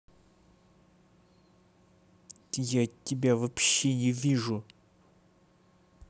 я тебя вообще не вижу